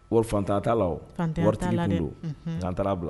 Wari fanta t' la wari ta lalen don taara bila